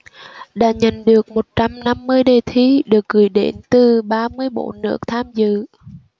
đã nhận được một trăm năm mươi đề thi được gửi đến từ ba mươi bốn nước tham dự